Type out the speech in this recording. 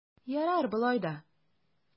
Ярар болай да!